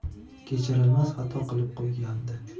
kechirilmas xato qilib qo'ygandi